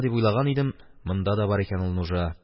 Дип уйлаган идем, монда да бар икән ул нужа,